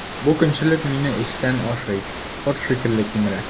Бу көнчелек мине эчтән ашый, корт шикелле кимерә.